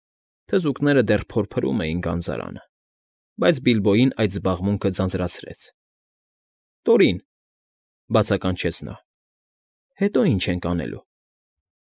Թզուկները դեռ փորփրում էին գանձարանը, բայց Բիլբոյին այդ զբաղմունքը ձանձրացրեց. ֊ Տորին,֊ բացականչեց նա։֊ Հետո՞ ինչ ենք անելու։